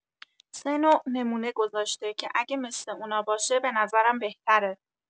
سه نوع نمونه گذاشته که اگه مثه اونا باشه به نظرم بهتره